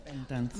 Bendant.